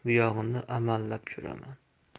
buyog'ini amallab ko'raman